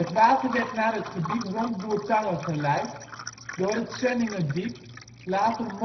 water werd naar het gebied rond Bourtange geleid door het Sellingerdiep, later